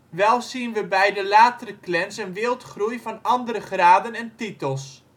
Wel zien we bij de latere Klans een wildgroei van andere graden en titels